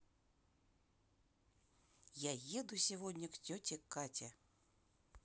я еду сегодня в тете кате